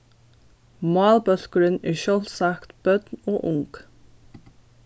málbólkurin er sjálvsagt børn og ung